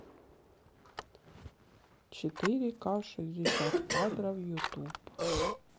четыре ка шестьдесят кадров ютуб